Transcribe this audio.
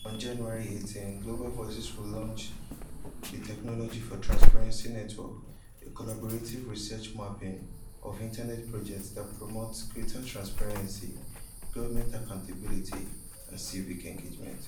On January 18 Global Voices will launch the Technology for Transparency Network, a collaborative research mapping of internet projects that promote greater transparency, government accountability, and civic engagement.